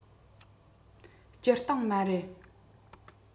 སྤྱིར བཏང མ རེད